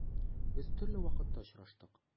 Без төрле вакытта очраштык.